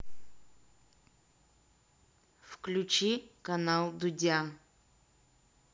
включи канал дудя